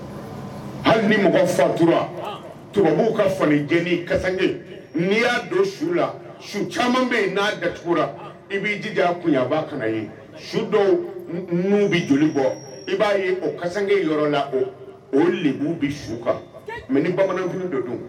Hali ni tubabu ka kake n'a caman bɛ' jija kun b bɛ joli bɔ b'a o kake yɔrɔ la o o bɛ kan mɛ bamanankun don don